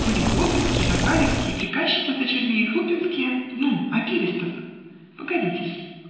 Были колбинские, захарьевские, приказчица с дочерьми, хлупинские. -- Ну! а Берестов? -- Погодите-с.